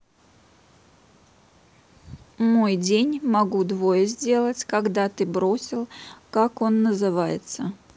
мой день могу двое сделать когда ты бросил как он называется